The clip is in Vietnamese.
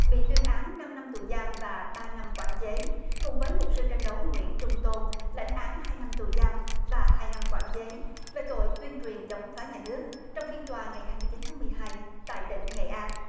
bị tuyên án năm năm tù giam và ba năm quản chế cùng với một siêu tranh đấu nguyễn trung tôn lãnh án hai năm tù giam và hai năm quản chế về tội tuyên truyền chống phá nhà nước trong phiên tòa ngày hai mươi chính tháng mười hai tại tỉnh nghệ an